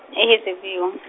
e- Hazyview.